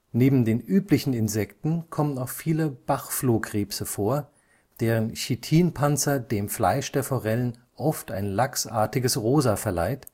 Neben den üblichen Insekten kommen auch viele Bachflohkrebse vor, deren Chitinpanzer dem Fleisch der Forellen oft ein lachsartiges Rosa verleiht